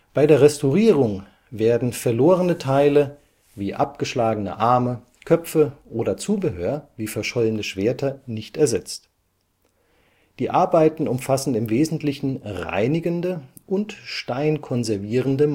Bei der Restaurierung werden verlorene Teile wie abgeschlagene Arme, Köpfe oder Zubehör wie verschollene Schwerter nicht ersetzt. Die Arbeiten umfassen im Wesentlichen reinigende und steinkonservierende